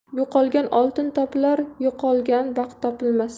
yo'qolgan oltin topilar yo'qolgan vaqt topilmas